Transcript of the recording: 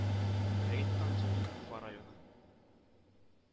Рейдтан соң ул Уфа районы